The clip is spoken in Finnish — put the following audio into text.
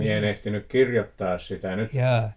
minä en ehtinyt kirjoittaa sitä nyt